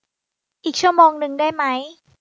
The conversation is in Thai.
อีกชั่วโมงนึงได้ไหม